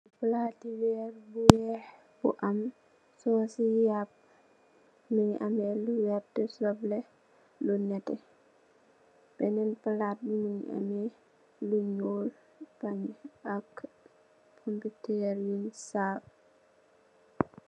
Palati weer bu weex bu am soos si yappu, mingi amme lu werta, somle, lu nete, beneen palat, mingi amme lu nyuul, ak pompeter yu saf.